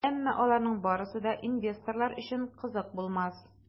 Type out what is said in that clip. Әмма аларның барысы да инвесторлар өчен кызык булмас.